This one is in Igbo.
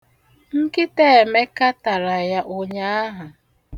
Nkịta Emeka tara ya ụnyaahụ.